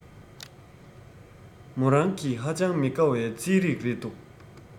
མོ རང གི ཧ ཅང མི དགའ བའི རྩིས རིགས རེད འདུག